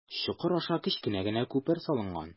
Чокыр аша кечкенә генә күпер салынган.